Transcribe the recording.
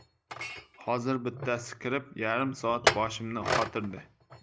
hozir bittasi kirib yarim soat boshimni qotirdi